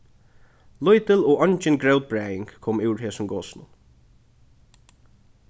lítil og eingin grótbræðing kom úr hesum gosinum